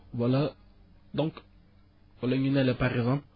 wala donc wala ñu ne la par exemple